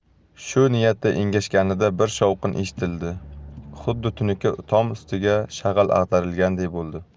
shu niyatda engashganida bir shovqin eshitildi xuddi tunuka tom ustiga shag'al ag'darilganday bo'ldi